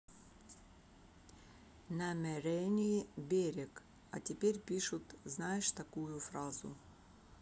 namerenniy берег а теперь пишут знаешь такую фразу